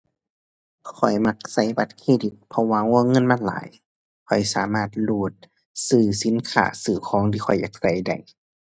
ข้อยมักใช้บัตรเครดิตเพราะว่าวงเงินมันหลาย ข้อยสามารถรูดซื้อสินค้าซื้อของที่ข้อยอยากใช้ได้